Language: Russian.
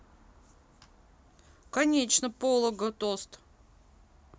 конечно полого тост